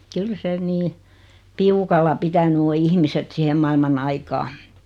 kyllä se niin piukalla pitänyt on ihmiset siihen maailman aikaa